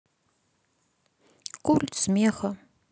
культ смеха